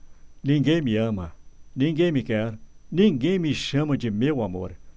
ninguém me ama ninguém me quer ninguém me chama de meu amor